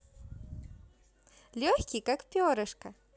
легкий как перышко